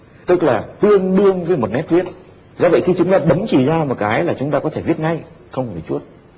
tức là tương đương với một nét viết do vậy khi chúng ta bấm chì ra một cái là chúng ta có thể viết ngay không phải chuốt